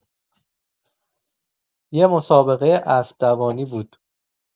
یه مسابقه اسب‌دوانی بود.